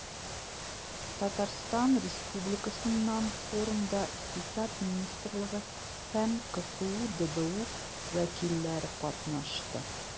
Татарстан Республикасыннан форумда Икътисад министрлыгы һәм КФҮ ДБУ вәкилләре катнашты.